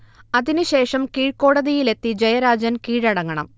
അതിന് ശേഷം കീഴ്കോടതിയിൽ എത്തി ജയരാജൻ കീഴടങ്ങണം